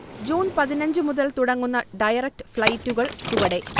June പതിനഞ്ച് മുതൽ തുടങ്ങുന്ന ഡയറക്ട് ഫൈളൈറ്റുകൾ ചുവടെ